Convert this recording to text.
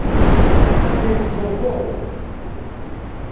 танец gogo